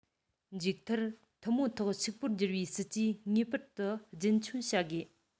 མཇུག མཐར ཐུན མོང ཐོག ཕྱུག པོར འགྱུར བའི སྲིད ཇུས ངེས པར དུ རྒྱུན འཁྱོངས བྱ དགོས